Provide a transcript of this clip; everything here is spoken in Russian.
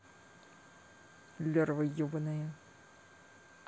larva ебаная